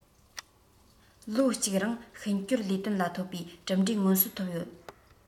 ལོ གཅིག རིང ཤིན སྐྱོར ལས དོན ལ ཐོབ པའི གྲུབ འབྲས མངོན གསལ ཐོབ ཡོད